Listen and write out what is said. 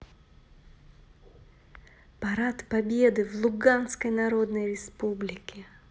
парад победы в луганской народной республике